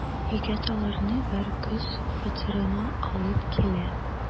Егет аларны бер кыз фатирына алып килә.